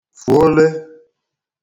fùole